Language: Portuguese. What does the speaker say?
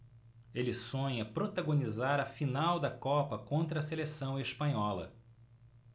ele sonha protagonizar a final da copa contra a seleção espanhola